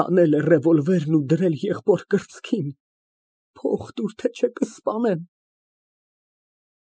Հանել է ռևոլվերն ու դրել եղբոր կրծքին. «փող տուր, թե չէ կսպանեմ»։